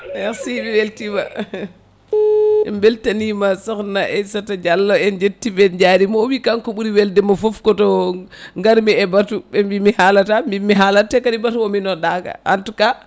merci mi weltima en beltanima sokhna Aissata Diallo en jettiɓe en jarimo o wii kanko ɓuuri weldemo foof koto garmi e baatu ɓe mbi mi haalata mbimi mi haalat te kadi baatu o mi noddaka en tout cas